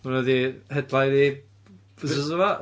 Hwnna 'di headline... Be? ...ni wythnos yma.